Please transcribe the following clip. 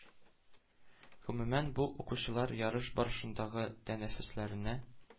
Гомумән, бу укучылар ярыш барышындагы тәнәфесләрне